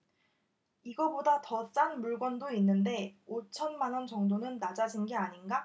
이거보다 더 싼 물건도 있는데 오 천만 원 정도는 낮아진 게 아닌가